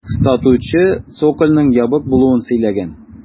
Сатучы цокольның ябык булуын сөйләгән.